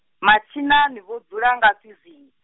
mathina ni vho dzula ngafhi zwino.